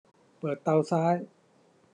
เปิดเตาซ้าย